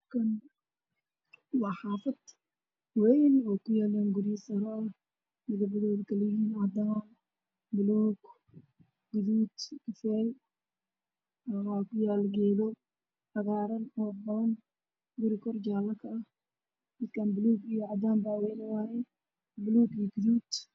Halkaan waa xaafad wayn oo kuyaaliin saro midabkoodu waa cadaan, buluug, gaduud, kafay, waxaa kuyaalo geedo cagaaran oo badan , guri kor jaale ka ah, midkaan bacwayne gaduud iyo buluug ah.